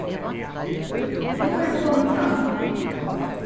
nú eru vit komin fram